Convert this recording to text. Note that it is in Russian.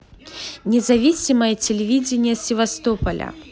независимое телевидение севастополя